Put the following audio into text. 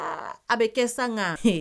A bɛ kɛ san kan